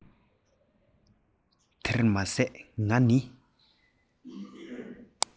དེར མ ཟད ང ནི